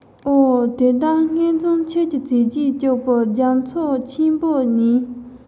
འོ དེ དག སྔོན བྱུང ཁྱོད ཀྱི བྱས རྗེས སྐྱུག པའི རྒྱ མཚོ ཆེན པོ ནས